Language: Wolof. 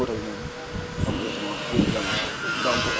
mais